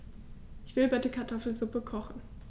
Ich will bitte Kartoffelsuppe kochen.